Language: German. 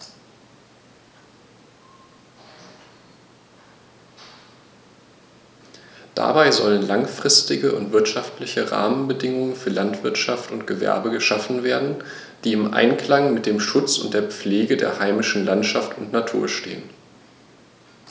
Dabei sollen langfristige und wirtschaftliche Rahmenbedingungen für Landwirtschaft und Gewerbe geschaffen werden, die im Einklang mit dem Schutz und der Pflege der heimischen Landschaft und Natur stehen.